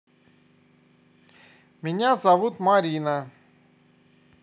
меня зовут марина